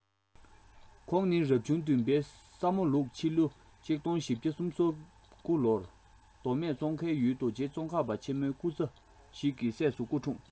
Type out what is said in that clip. ཁོང ནི རབ བྱུང བདུན པའི ས མོ ལུག ཕྱི ལོ ༡༤༣༩ ལོར མདོ སྨད ཙོང ཁའི ཡུལ དུ རྗེ ཙོང ཁ པ ཆེན པོའི སྐུ ཚ ཞིག གི སྲས སུ སྐུ འཁྲུངས